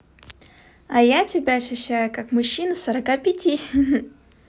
а я тебя ощущаю как мужчина сорока пяти